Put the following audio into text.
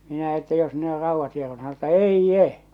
minä että jos ne on raudat hieronut sanoi että ei